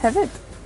hefyd